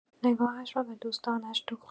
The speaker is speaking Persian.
نگاهش را به دوستانش دوخت.